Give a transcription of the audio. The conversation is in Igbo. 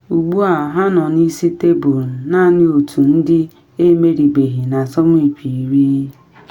Ugbu a ha nọ n’isi tebul, naanị otu ndị emeribeghị n’asọmpi iri.